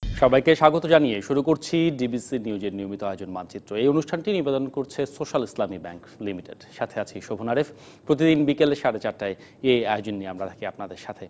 সবাইকে স্বাগত জানিয়ে শুরু করছি ডিবিসি নিউজের নিয়মিত আয়োজন মানচিত্র এই অনুষ্ঠানটি নিবেদন করছে সোশ্যাল ইসলামী ব্যাংক লিমিটেড সাথে আছি শোভন আরেফ প্রতিদিন বিকাল সাড়ে চার টায় এ আয়োজন নিয়ে আমরা থাকি আপনাদের সাথে